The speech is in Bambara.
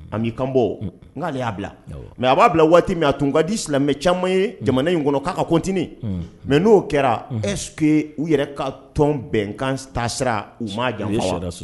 A b'i kantobɔ n'ale y'a bila mɛ a b'a bila waati min a tun ka di silamɛmɛ caman ye jamana in kɔnɔ k' a kɔntinin mɛ n'o kɛra es u yɛrɛ ka tɔn bɛn nkan tasira u ma jan